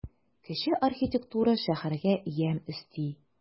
Кече архитектура шәһәргә ямь өсти.